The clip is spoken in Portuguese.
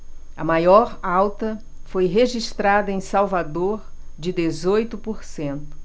a maior alta foi registrada em salvador de dezoito por cento